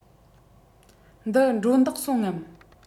འདི སྒྲོ འདོགས སོང ངམ